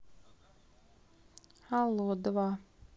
алло два